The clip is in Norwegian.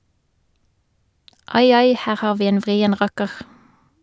Ai ai, her har vi en vrien rakker.